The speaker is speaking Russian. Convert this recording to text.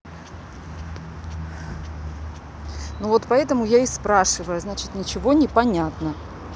ну вот поэтому я и спрашиваю значит ничего не понятно